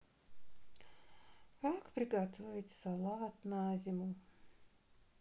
как приготовить салат на зиму